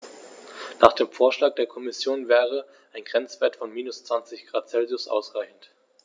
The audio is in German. Nach dem Vorschlag der Kommission wäre ein Grenzwert von -20 ºC ausreichend.